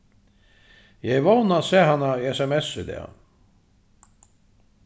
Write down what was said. eg hevði vónað at sæð hana í sms í dag